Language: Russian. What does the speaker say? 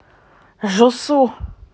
жосу